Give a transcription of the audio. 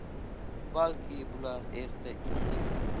balki bular erta indin